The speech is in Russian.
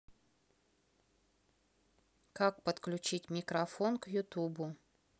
как подключить микрофон к ютубу